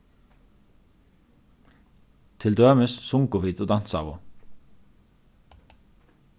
til dømis sungu vit og dansaðu